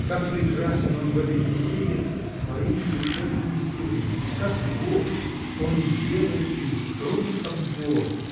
Как прекрасен он в этой беседе с своими душевными силами! как вождь он делает им строгий обзор